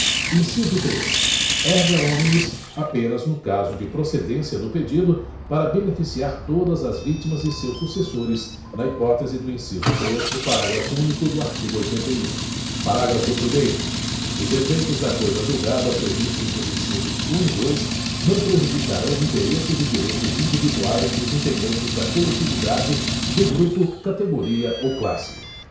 inciso três erga omnes apenas no caso de procedência do pedido para beneficiar todas as vítimas e seus sucessores na hipótese do inciso três do parágrafo único do artigo oitenta e um parágrafo primeiro os efeitos da coisa julgada previstos nos incisos um e dois não prejudicarão interesses e direitos individuais dos integrantes da coletividade do grupo categoria ou classe